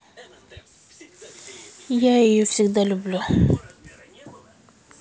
я ее всегда люблю